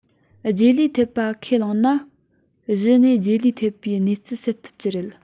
རྗེས ལུས ཐེབས པ ཁས བླངས ན གཞི ནས རྗེས ལུས ཐེབས པའི གནས ཚུལ སེལ ཐུབ ཀྱི རེད